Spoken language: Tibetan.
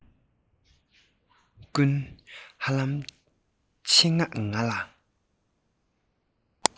ཀུན ཧ ལམ ཆེད མངགས ང ལ